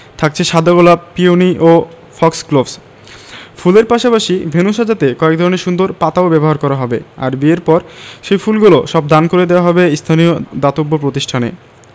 থাকছে সাদা গোলাপ পিওনি ও ফক্সগ্লোভস ফুলের পাশাপাশি ভেন্যু সাজাতে কয়েক ধরনের সুন্দর পাতাও ব্যবহার করা হবে আর বিয়ের পর সেই ফুলগুলো সব দান করে দেওয়া হবে স্থানীয় দাতব্য প্রতিষ্ঠানে